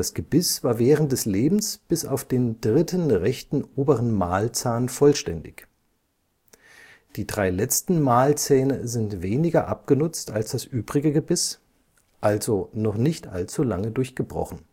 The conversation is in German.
Gebiss war während des Lebens bis auf den dritten rechten oberen Mahlzahn vollständig. Die drei letzten Mahlzähne sind weniger abgenutzt als das übrige Gebiss, also noch nicht allzu lange durchgebrochen